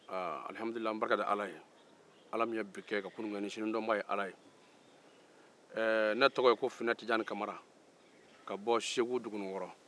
an bɛ barika da ala ye ala min ye bi kɛ ka kunun ke ni sinin dɔnbaa ye ala ye ne tɔgɔ ye ko fune tijani kamara ka bɔ segu duguninkɔrɔ